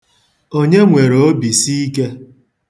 Onye nwere obisiike?